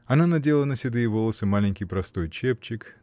Она надела на седые волосы маленький простой чепчик